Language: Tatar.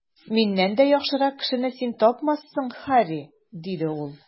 Миннән дә яхшырак кешене син тапмассың, Һарри, - диде ул.